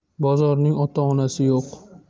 bozorning ota onasi yo'q